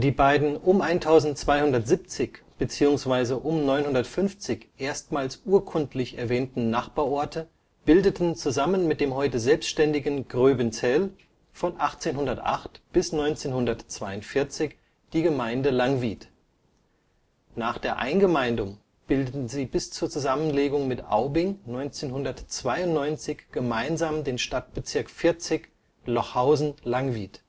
beiden um 1270 beziehungsweise um 950 erstmals urkundlich erwähnten Nachbarorte bildeten zusammen mit dem heute selbstständigen Gröbenzell von 1808 bis 1942 die Gemeinde Langwied. Nach der Eingemeindung bildeten sie bis zur Zusammenlegung mit Aubing 1992 gemeinsam den Stadtbezirk 40 Lochhausen-Langwied